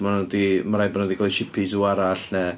Maen nhw 'di... ma' raid bod nhw 'di cael eu shipio i sŵ arall neu...